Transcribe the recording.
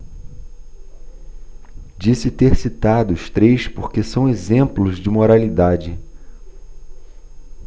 disse ter citado os três porque são exemplos de moralidade